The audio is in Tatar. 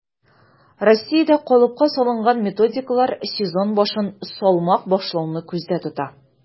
Россиядә калыпка салынган методикалар сезон башын салмак башлауны күздә тота: